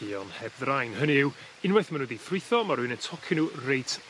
duon heb ddrain hynny yw unwaith ma' n'w 'di ffrwytho ma' rywun yn tocio n'w reit